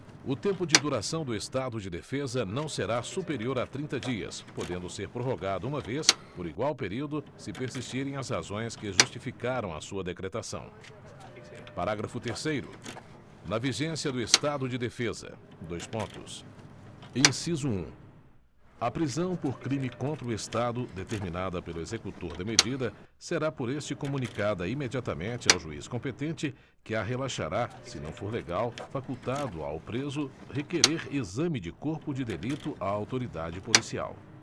o tempo de duração do estado de defesa não será superior a trinta dias podendo ser prorrogado uma vez por igual período se persistirem as razões que justificaram a sua decretação parágrafo terceiro na vigência do estado de defesa dois pontos inciso um a prisão por crime contra o estado determinada pelo executor da medida será por este comunicada imediatamente ao juiz competente que a relaxará se não for legal facultado ao preso requerer exame de corpo de delito à autoridade policial